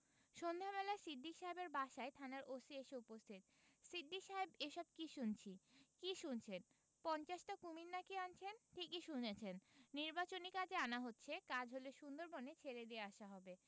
সন্ধ্যাবেলা সিদ্দিক সাহেবের বাসায় থানার ওসি এসে উপস্থিত 'সিদ্দিক সাহেব এসব কি শুনছি কি শুনছেন পঞ্চাশটা কুমীর না কি আনছেন ঠিকই শুনেছেন নির্বাচনী কাজে আনা হচ্ছে কাজ হলে সুন্দরবনে ছেড়ে দিয়ে আসা হবে